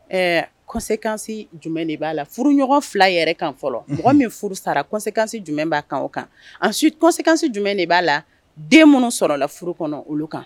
Ɛɛ conséquence jumɛn de b'a la furu ɲɔgɔn 2 yɛrɛ kan fɔlɔ unhun mɔgɔ min furu sara conséquence jumɛn b'a kan o kan ensuite conséquence jumɛn de b'a la den munnu sɔrɔla furu kɔnɔ olu kan